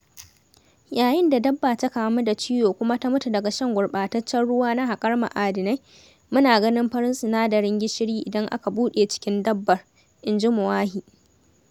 “Yayin da dabba ta kamu da ciwo kuma ta mutu daga shan gurɓataccen ruwa na haƙar ma’adinai, muna ganin farin sinadarin gishiri idan aka buɗe cikin dabbar,” in ji Moahi.